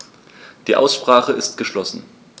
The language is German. Die Aussprache ist geschlossen.